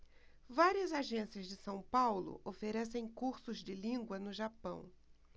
várias agências de são paulo oferecem cursos de língua no japão